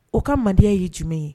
O ka mandiya ye jumɛn ye?